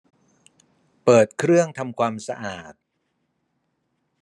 เปิดเครื่องทำความสะอาด